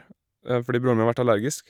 Fordi broren min har vært allergisk.